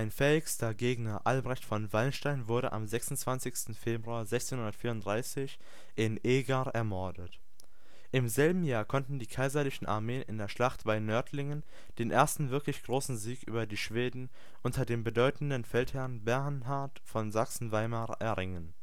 fähigster Gegner Albrecht von Wallenstein wurde am 26. Februar 1634 in Eger ermordet. Im selben Jahr konnten die kaiserlichen Armeen in der Schlacht bei Nördlingen den ersten wirklich großen Sieg über die Schweden unter dem bedeutenden Feldherrn Bernhard von Sachsen-Weimar erringen